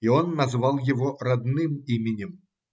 – И он назвал его родным именем.